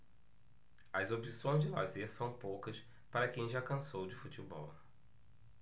as opções de lazer são poucas para quem já cansou de futebol